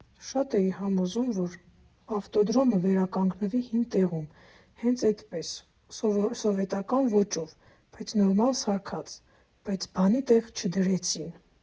Շատ էի համոզում, որ ավտոդրոմը վերականգնվի հին տեղում՝ հենց էդպես, սովետական ոճով, բայց նորմալ սարքած, բայց բանի տեղ չդրեցին։